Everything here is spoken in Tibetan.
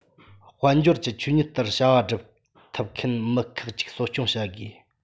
དཔལ འབྱོར གྱི ཆོས ཉིད ལྟར བྱ བ སྒྲུབ ཐུབ མཁན མི ཁག གཅིག གསོ སྐྱོང བྱ དགོས